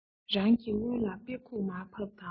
རང གི སྔོན ལ དཔེ ཁུག མར ཕབ དང